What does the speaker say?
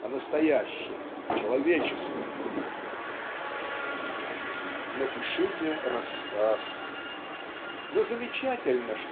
а настоящая человеческая". "Напишите рассказ". Но замечательно